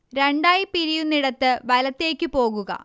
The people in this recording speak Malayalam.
രണ്ടായി പിരിയുന്നയിടത്ത് വലത്തേക്ക് പോകുക